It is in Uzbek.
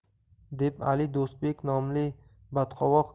deb ali do'stbek nomli badqovoq